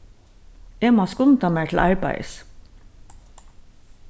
eg má skunda mær til arbeiðis